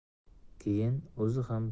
keyin o'zi ham